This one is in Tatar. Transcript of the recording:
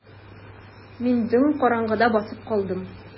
Мин дөм караңгыда басып калдым.